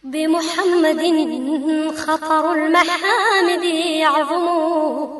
Denmumugɛnintangɛnin yo